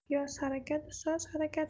yoz harakati soz harakat